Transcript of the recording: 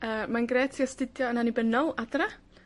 Yy, mae'n grêt i astudio yn annibynnol. Adra.